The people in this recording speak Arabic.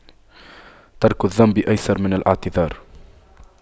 ترك الذنب أيسر من الاعتذار